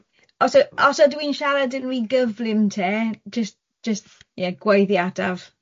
Os y- os ydw i'n siarad yn ry gyflym te, jyst jyst, ie, gweiddi ataf.